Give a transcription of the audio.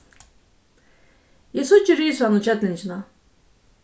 eg síggi risan og kellingina